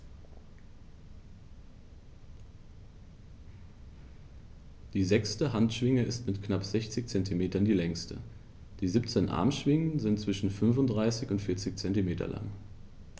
Die sechste Handschwinge ist mit knapp 60 cm die längste. Die 17 Armschwingen sind zwischen 35 und 40 cm lang.